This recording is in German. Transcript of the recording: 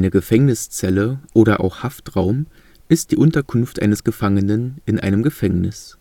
Gefängniszelle oder auch Haftraum ist die Unterkunft eines Gefangenen in einem Gefängnis